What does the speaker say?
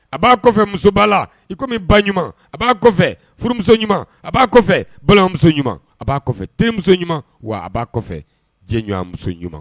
A b'a musoba la i min ba ɲuman a b'a kɔfɛ furumuso ɲuman a'a kɔfɛ balimamuso ɲuman a b'a terimuso ɲuman wa a b'a kɔfɛ jɛ ɲumanmuso ɲuman